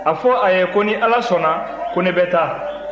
a fɔ a ye ko ni ala sɔnna ko ne bɛ taa